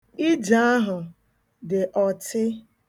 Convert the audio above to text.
Ije ahụ dị ọtị.